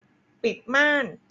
ปิดม่าน